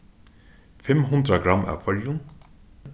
fimm hundrað gramm av hvørjum